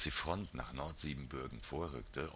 Front nach Nordsiebenbürgen vorrückte